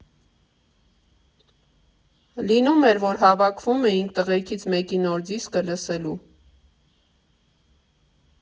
Լինում էր, որ հավաքվում էինք տղեքից մեկի նոր դիսկը լսելու։